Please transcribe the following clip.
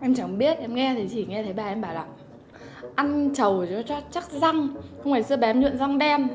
em chẳng biết em nghe chỉ nghe thấy bà em bảo là ăn trầu cho chắc răng xong ngày xưa bà em nhuộm răng đen